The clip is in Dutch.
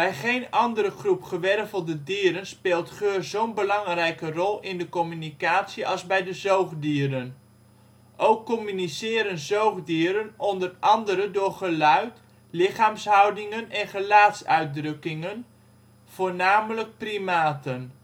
geen andere groep gewervelde dieren speelt geur zo 'n belangrijke rol in de communicatie als bij de zoogdieren. Ook communiceren zoogdieren onder andere door geluid, lichaamshoudingen en gelaatsuitdrukkingen (voornamelijk primaten